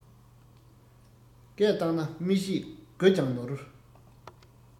སྐད བཏང ན མི བཤད དགུ ཀྱང ནོར